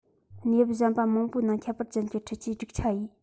གནས བབ གཞན པ མང པོའི ནང ཁྱད པར ཅན གྱི འཕྲུལ ཆས སྒྲིག ཆ ཡིས